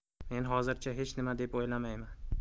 men hozircha hech nima deb o'ylamayman